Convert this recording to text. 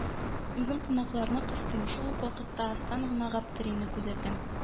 Үзем кунакларны кыстыйм, шул ук вакытта астан гына Гаптерине күзәтәм.